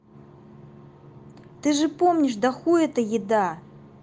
ты же помнишь да хуй это еда